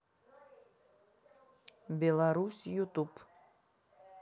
беларусь ютуб